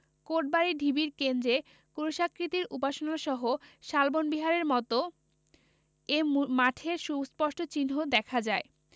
কোটবাড়ি ঢিবির কেন্দ্রে ক্রুশাকৃতির উপাসনাসহ শালবন বিহারের মতো এ মাঠের সুস্পষ্ট চিহ্ন দেখা যায়